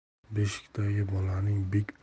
beshikdagi bolaning bek